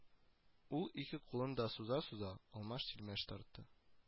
Ул, ике кулын да суза-суза, алмаш-тилмәш тартты